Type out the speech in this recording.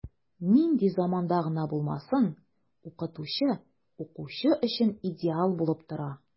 Нинди заманда гына булмасын, укытучы укучы өчен идеал булып тора.